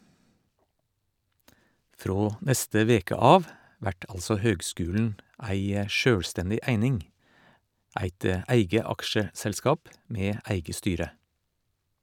Frå neste veke av vert altså høgskulen ei sjølvstendig eining, eit eige aksjeselskap med eige styre.